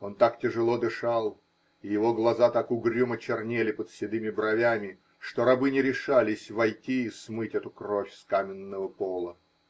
Он так тяжело дышал и его глаза так угрюмо чернели под седыми бровями, что рабы не решались войти и смыть эту кровь с каменного пола.